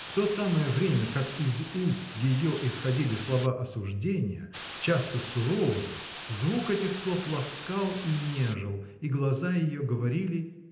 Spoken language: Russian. -- в то самое время, как из уст ее исходили слова осуждения, часто сурового, звук этих слов ласкал и нежил, и глаза ее говорили.